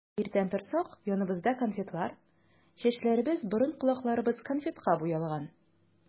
Иртән торсак, яныбызда конфетлар, чәчләребез, борын-колакларыбыз конфетка буялган.